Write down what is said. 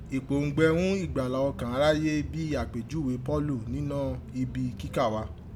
Ipoungbe ghún ìgbàlà ọkàn aráyé bi àpèjúwe Pọọlù ninọ ibi kíkà wa